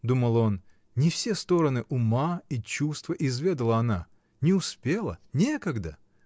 — думал он, — не все стороны ума и чувства изведала она: не успела, некогда!